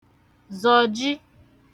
zọji